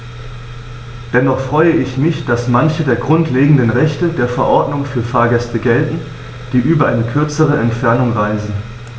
Dennoch freue ich mich, dass manche der grundlegenden Rechte der Verordnung für Fahrgäste gelten, die über eine kürzere Entfernung reisen.